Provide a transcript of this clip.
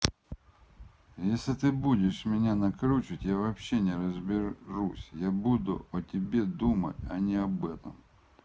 если ты будешь меня накручивать я вообще не разберусь я буду о тебе думать а не об этом